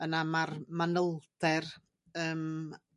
yna ma'r manylder yym